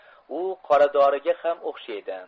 u qoradoriga ham o'xshaydi